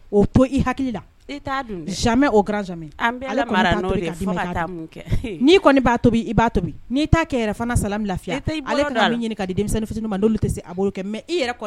O to i hakili la , i t'a dun jamais au grand jamais a bɛ mara n'o de ye fɔ ka taa min kɛ, n'i kɔni b'a tobi , i b'a tobi , n'i t'a kɛ yɛrɛ fana, isalaam lafiya, i t'i bolo don a la, a bɛna min ɲini ka di deminsɛnniw ma n'olu tɛ se, ç mais i yɛrɛ kɔ